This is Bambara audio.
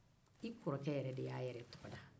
i kɔrɔkɛ y'a yɛrɛ tɔgɔ da